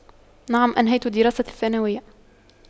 نعم أنهيت دراستي الثانوية